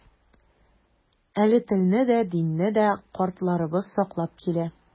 Әле телне дә, динне дә картларыбыз саклап килә.